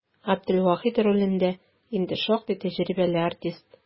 Габделвахит ролендә инде шактый тәҗрибәле артист.